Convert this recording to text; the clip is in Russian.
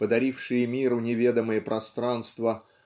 подарившие миру неведомые пространства